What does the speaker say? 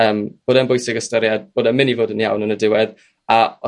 yym bod e'n yn bwysig ystyried bod o'n mynd i fod yn iawn yn y diwedd a os